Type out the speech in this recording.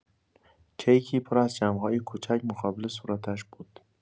کیکی پر از شمع‌های کوچک مقابل صورتش بود.